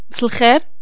مسا لخير